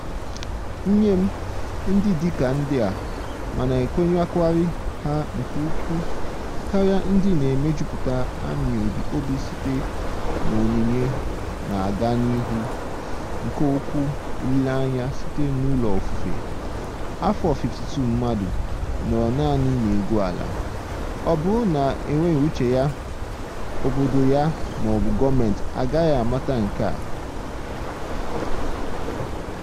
Nye m, ndị dị ka ndị a, m na-ekwenyekarị ha nke ukwuu, karịa ndị na-emejupụta anyị obi site na onyinye na-aga n'ihu nke okwu olile anya sitere n'ụlọ ofufe, afọ 52 mmadụ nọọrọ naanị na-egwu ala — ọ bụrụ na ọ nweghị uche ya, obodo ya ma ọ bụ gọọmentị agaghị amata nke a?